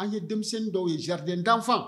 An ye denmisɛnnin dɔw ye jardin d'enfant